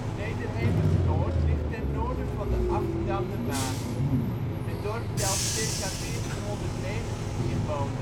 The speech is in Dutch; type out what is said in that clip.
Nederhemert-Noord ligt ten noorden van de Afgedamde Maas. Het dorp telt ca. 1490 (1999) inwoners. De